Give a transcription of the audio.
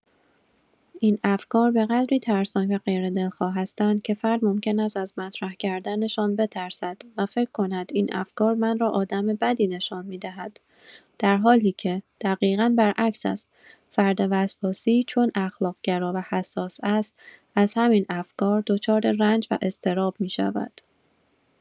این افکار به‌قدری ترسناک و غیردلخواه هستند که فرد ممکن است از مطرح کردنشان بترسد و فکر کند «این افکار من را آدم بدی نشان می‌دهد»، در حالی که دقیقا برعکس است: فرد وسواسی چون اخلاق‌گرا و حساس است، از همین افکار دچار رنج و اضطراب می‌شود.